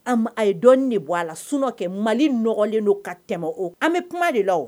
A ma a ye dɔɔni de bɔ a la sinon kɛ Mali nɔgɔlen don ka tɛmɛ o an be kuma de la o